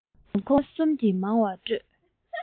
རིན གོང ལྡབ གསུམ གྱིས མང བར སྤྲོད